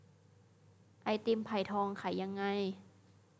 ไอติมไผ่ทองขายยังไง